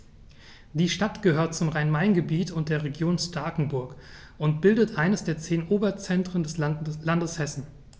Die Stadt gehört zum Rhein-Main-Gebiet und der Region Starkenburg und bildet eines der zehn Oberzentren des Landes Hessen.